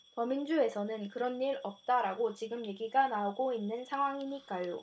더민주에서는 그런 일 없다라고 지금 이야기가 나오고 있는 상황이니까요